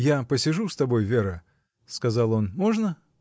— Я посижу с тобой, Вера, — сказал он, — можно?